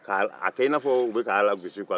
k'a kɛ i n'a fɔ u bɛ k'a lagosi kuwa